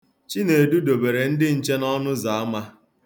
Chinedu dobere ndị nche n'ọnụzaama.